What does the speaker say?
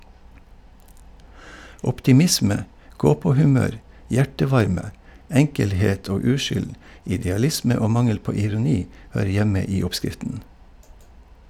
Optimisme, gåpåhumør, hjertevarme, enkelhet og uskyld, idealisme og mangel på ironi, hører hjemme i oppskriften.